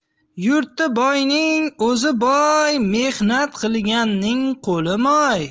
yurti boyning o'zi boy mehnat qilganning qo'li moy